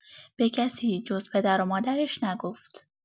به کسی جز پدر و مادرش نگفت.